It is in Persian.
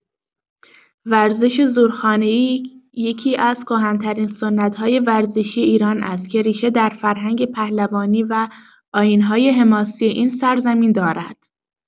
ورزش زورخانه‌ای یکی‌از کهن‌ترین سنت‌های ورزشی ایران است که ریشه در فرهنگ پهلوانی و آیین‌های حماسی این سرزمین دارد.